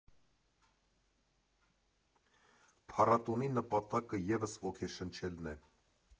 Փառատոնի նպատակը ևս ոգեշնչելն է։